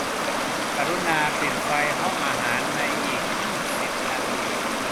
กรุณาปิดไฟห้องอาหารในอีกยี่สิบนาที